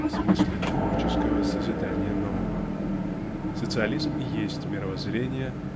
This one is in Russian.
в смысле творческого созидания нового. Социализм и есть мировоззрение